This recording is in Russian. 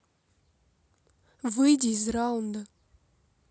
выйди из раунда